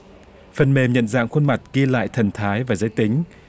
phần mềm nhận dạng khuôn mặt ghi lại thần thái và giới tính